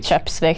Kjøpsvik.